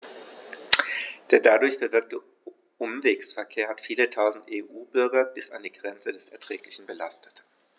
Der dadurch bewirkte Umwegsverkehr hat viele Tausend EU-Bürger bis an die Grenze des Erträglichen belastet.